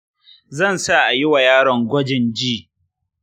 zan sa ayi ma yaron kwajin ji.